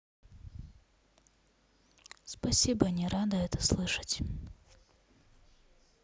спасибо не рада это слышать